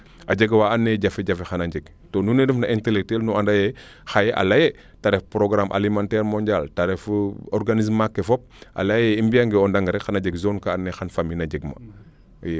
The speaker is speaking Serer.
a jega waa ando naye jafe jafe xana njeg to nuun weene ndef na intelectuel nu anda ye xaye a leye te ref programme alimentaire mondiale te ref organisme maak ke fop a leya ye i mbiya nge o ndeng rek xana jeg zone kaa ando naye xan Famine a jeg ma